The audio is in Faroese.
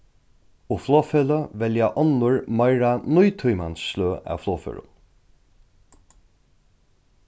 og flogfeløg velja onnur meira nútímans sløg av flogførum